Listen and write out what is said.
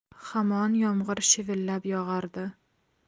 hamon yomg'ir shivalab yog'ardi